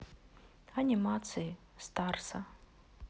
анимации старса